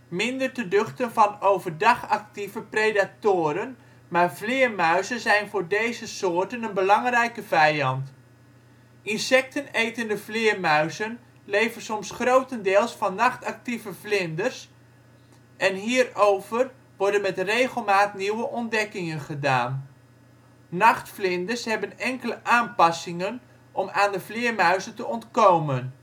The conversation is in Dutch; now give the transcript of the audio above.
minder te duchten van overdag actieve predatoren maar vleermuizen zijn voor deze soorten een belangrijke vijand. Insectenetende vleermuizen leven soms grotendeels van nachtactieve vlinders en hierover worden met enige regelmaat nieuwe ontdekkingen gedaan. Nachtvlinders hebben enkele aanpassingen om aan de vleermuizen te ontkomen